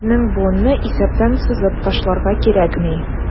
Безнең буынны исәптән сызып ташларга кирәкми.